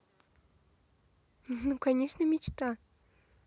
ну конечно мечта